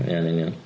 Ia yn union.